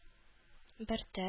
Бертөр